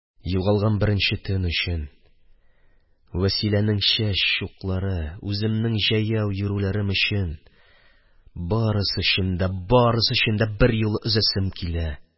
Югалган беренче төн өчен, Вәсиләнең чәч чуклары, үземнең җәяү йөрүләрем өчен – барысы өчен дә, барысы өчен дә берьюлы өзәсем килә.